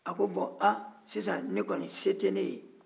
a ko bɔn a sisan ne kɔnin se tɛ ne ye